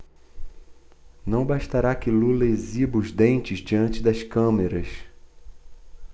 não bastará que lula exiba os dentes diante das câmeras